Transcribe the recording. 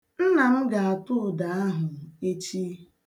Nna m ga-atụ ụdọ ahụ echi.